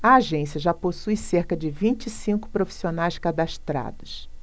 a agência já possui cerca de vinte e cinco profissionais cadastrados